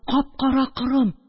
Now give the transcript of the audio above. Кап-кара корым...